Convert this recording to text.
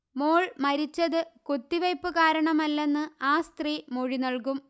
മോൾ മരിച്ചത് കുത്തിവയ്പ്പുകാരണമല്ലെന്ന് ആ സ്ത്രീ മൊഴി നല്കും